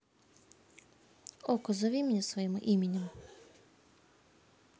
okko зови меня своим именем